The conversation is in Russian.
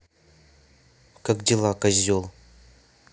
как дела козел